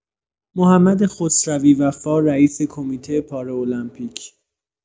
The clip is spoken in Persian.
محمد خسروی وفا رئیس کمیته پارالمپیک